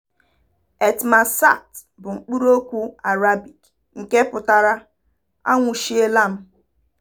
Etmasakt bụ mkpụrụokwu Arabic nke pụtara "A nwụchiela m".